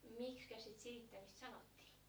miksikäs sitten silittämistä sanottiin